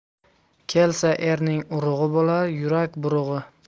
kelsa erning urug'i bo'lar yurak burug'i